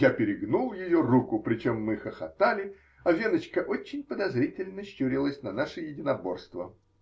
Я перегнул ее руку, причем мы хохотали, а веночка очень подозрительно щурилась на наше единоборство.